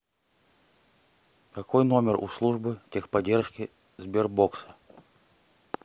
какой номер у службы техподдержки сбербокса